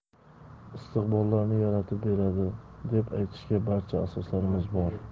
istiqbollarni yaratib beradi deb aytishga barcha asoslarimiz bor